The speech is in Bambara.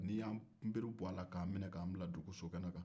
n'i ye nbari bɔ a la k'an minɛ k'an bila dugu sokɛnɛ kan